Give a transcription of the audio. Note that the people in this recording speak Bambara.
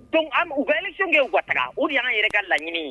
Donc an u valifin kɛ wata u y'an yɛrɛ ka laɲini